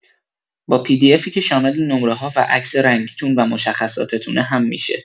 با پی دی افی که شامل نمره‌ها و عکس رنگی‌تون و مشخصاتتونه هم می‌شه